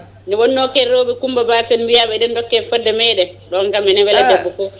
nde wonno ken rewɓe Coumba Ba ken wiyaɓe eɗen dokke fodde meɗen ɗon kam ele weela debbo foof